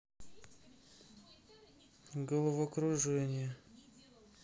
головокружение